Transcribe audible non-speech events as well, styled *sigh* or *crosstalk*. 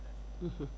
*hesitation* *hesitation*